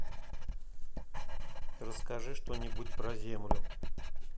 расскажи что нибудь про землю